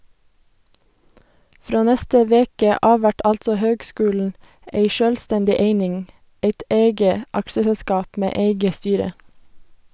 Frå neste veke av vert altså høgskulen ei sjølvstendig eining, eit eige aksjeselskap med eige styre.